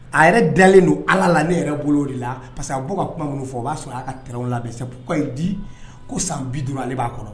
A yɛrɛ dalenl don Allah la. Ne yɛrɛ bolo o de la parceque a bɛ bɔ ka kuma munu fɔ, o y'a sɔrɔ a ya ka terrain labɛ C'est pourquoi il dit ko San 50 ale b'a kɔnɔ.